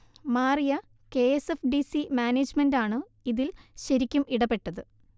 മാറിയ K S F D C മാനേജ്മെന്റാണു ഇതിൽ ശരിക്കും ഇടപെട്ടത്